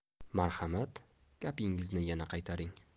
marhamat gapingizni yana qaytaring